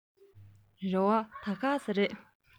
རེ བ ད ག ཟེ རེད